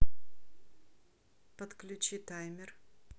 подключи таймер